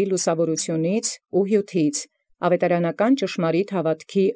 ի լուսաւորութենէ և ի հիւթոյ գրոց մարգարէականաց կարգել և յաւրինել, լի ամենայն ճաշակաւք աւետարանական։